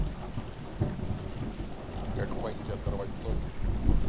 как ваньке оторвать ноги